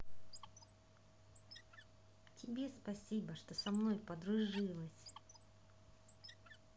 тебе спасибо что со мной подружилась